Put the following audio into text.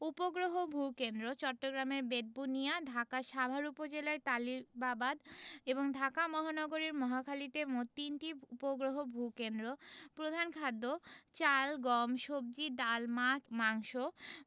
উপগ্রহ ভূ কেন্দ্রঃ চট্টগ্রামের বেতবুনিয়া ঢাকার সাভার উপজেলায় তালিবাবাদ এবং ঢাকা মহানগরীর মহাখালীতে মোট তিনটি উপগ্রহ ভূ কেন্দ্র প্রধান খাদ্যঃ চাল গম সবজি ডাল মাছ মাংস